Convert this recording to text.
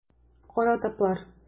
Кара таплар.